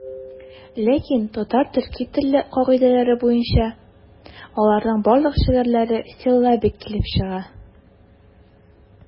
Ләкин татар-төрки теле кагыйдәләре буенча аларның барлык шигырьләре силлабик килеп чыга.